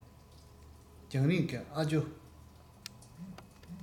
རྒྱང རིང གི ཨ ཇོ